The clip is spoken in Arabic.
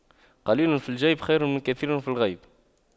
قليل في الجيب خير من كثير في الغيب